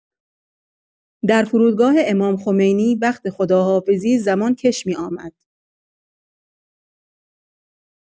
در فرودگاه امام‌خمینی، وقت خداحافظی، زمان کش می‌آمد.